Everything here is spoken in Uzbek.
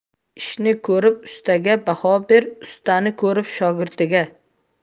ishni ko'rib ustaga baho ber ustani ko'rib shogirdiga